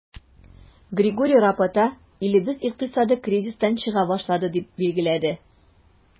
Григорий Рапота, илебез икътисады кризистан чыга башлады, дип билгеләде.